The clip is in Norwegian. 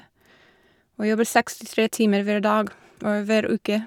Og jobber sekstitre timer hver dag or hver uke.